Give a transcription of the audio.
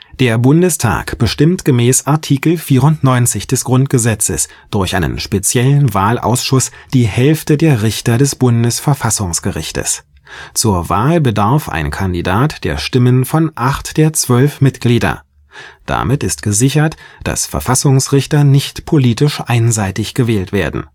Der Bundestag bestimmt gemäß Art. 94 GG durch einen speziellen Wahlausschuss die Hälfte der Richter des Bundesverfassungsgerichtes. Zur Wahl bedarf ein Kandidat der Stimmen von acht der zwölf Mitglieder. Damit ist gesichert, dass Verfassungsrichter nicht politisch einseitig gewählt werden